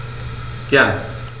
Gern.